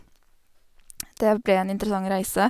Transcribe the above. Det ble en interessant reise.